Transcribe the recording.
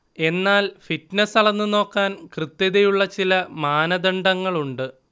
എന്നാൽ ഫിറ്റ്നെസ് അളന്നുനോക്കാൻ കൃത്യതയുള്ള ചില മാനദണ്ഡങ്ങളുണ്ട്